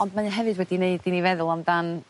Ond mae e hefyd wedi neud i ni feddwl amdan